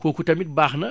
kooku tamit baax na